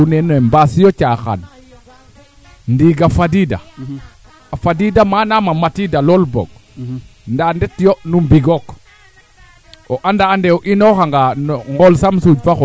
o reta nga boo kam ndiing kaa a mburano yo a mbokin naaga a njikookin a araa kaaga mene i leya ley actuellement o reta nga Dackar weena njikwa a areer manaam